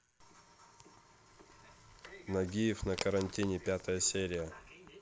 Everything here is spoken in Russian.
нагиев на карантине пятая серия